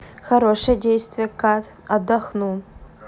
хорошее действие cut отдохну